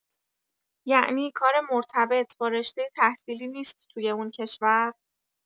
یعنی کار مرتبط با رشته تحصیلی نیست توی اون کشور؟